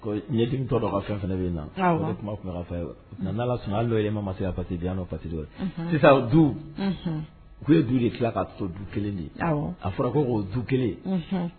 Ɲɛtɔ ka fɛn fana bɛ yen na o fɛ' yɛrɛ ma se pati yan fati sisan duu ye du de tila ka du kelen de ye a fɔra ko ko du kelen